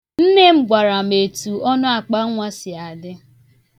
Nnne m gwara m etu ọnụakpannwa si adị.